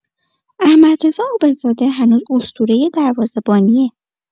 احمدرضا عابدزاده هنوز اسطوره دروازه‌بانیه.